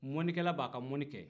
mɔnikɛla b'a ka mɔni kɛ